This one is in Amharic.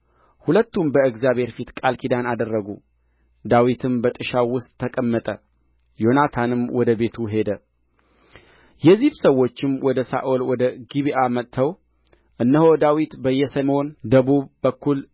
ሁለቱም በእግዚአብሔር ፊት ቃል ኪዳን አደረጉ ዳዊትም በጥሻው ውስጥ ተቀመጠ ዮናታንም ወደ ቤቱ ሄደ የዚፍ ሰዎችም ወደ ሳኦል ወደ ጊብዓ መጥተው እነሆ ዳዊት በየሴሞን ደቡብ በኩል